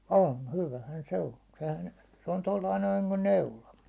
on hyvähän se on sehän se on tuolla lailla noin niin kuin neula